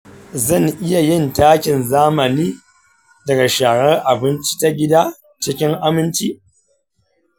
zan iya yin takin zamani daga sharar abinci ta gida cikin aminci?